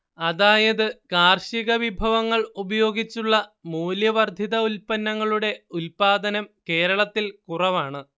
അതായത് കാർഷികവിഭവങ്ങൾ ഉപയോഗിച്ചുള്ള മൂല്യവർദ്ധിത ഉൽപ്പന്നങ്ങളുടെ ഉല്പാദനം കേരളത്തിൽ കുറവാണ്